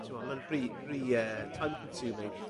t'mo' ma'n rhy ry yy time consuming.